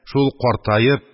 Шул картаеп,